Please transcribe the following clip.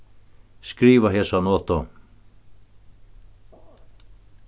skriva hesa notu